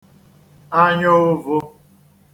anya ụ̄vụ̄